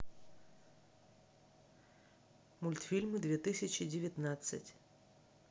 мультфильмы две тысячи девятнадцать